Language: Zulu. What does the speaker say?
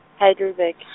Heidelberg .